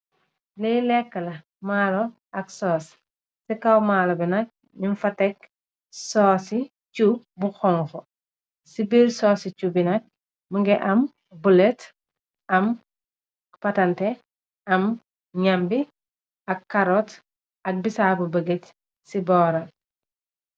Lii lekk la, malo ak soos, si kaw malo bi nak nyun fa teg soos si cu bu xonxu, si biir soos si cu bi nak mingi am bulet, am batente, am nyambi, ak karot, ak bisaab bi bagej si boram